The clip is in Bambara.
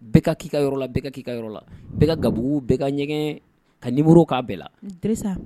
Ka kika yɔrɔla ka i ka yɔrɔ la bɛɛ ka gabugu bɛ ka ɲɛgɛn ka ni bolo k'a bɛɛ la